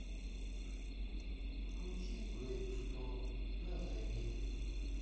включи брейн шторм на заре